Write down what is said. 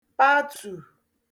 patù